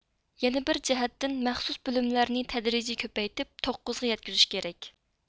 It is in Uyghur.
يەنە بىر جەھەتتىن مەخسۇس بۆلۈملەرنى تەدرىجىي كۆپەيتىپ توققۇزغا يەتكۈزۈش كېرەك